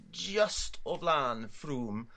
jyst o flan Froome